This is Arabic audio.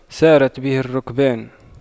سارت به الرُّكْبانُ